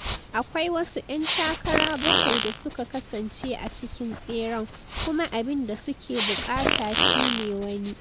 "Akwai wasu 'yan takara bakwai da suka kasance a cikin tseren, kuma abin da suke bukata shi ne wani.